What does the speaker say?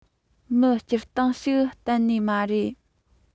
མི སྤྱིར བཏང ཞིག གཏན ནས མ རེད